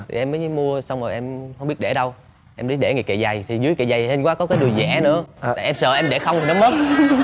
thì em mới mua xong rồi em không biết để đâu em mới để dưới kệ giày thì dưới kệ giày hên quá có cái dùi dẻ nữa tại sợ em để không thì nó mất